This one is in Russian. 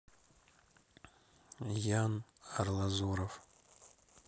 ян арлазоров